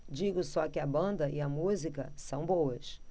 digo só que a banda e a música são boas